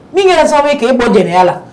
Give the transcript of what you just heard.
Ni n kɛra sababu bɛ kɛ n bɔ jɛnɛ la